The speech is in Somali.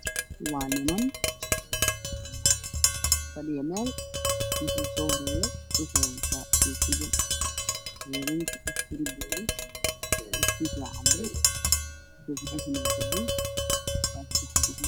Waa niman meel fadhiyo kuraast cadaan ku fadhiyo ninka u horeeyay wuxuu wataa dhar boolis ah koofi buluug ah nin suud madow wata ayaa ka dambeeya